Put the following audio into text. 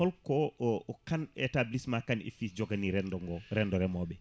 holko O Kane établissement Kane et fils jogani rendogo rendo reemoɓe